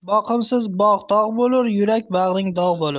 boqimsiz bog' tog' bo'lur yurak bag'ring dog' bo'lur